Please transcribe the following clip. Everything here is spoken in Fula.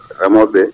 remoɓeɓe